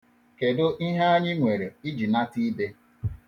Kedụ ihe anyị nwere iji nata ibe?